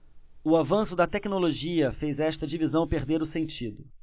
o avanço da tecnologia fez esta divisão perder o sentido